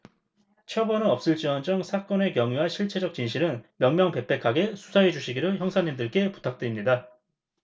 처벌은 없을지언정 사건의 경위와 실체적 진실은 명명백백하게 수사해주시기를 형사님들께 부탁드립니다